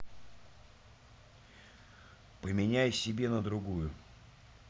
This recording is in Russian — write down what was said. поменяй себе на другую